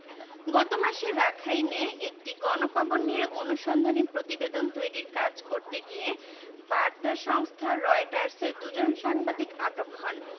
গত মাসে রাখাইনে একটি গণকবর নিয়ে অনুসন্ধানী প্রতিবেদন তৈরির কাজ করতে গিয়ে বার্তা সংস্থা রয়টার্সের দুজন সাংবাদিক আটক হন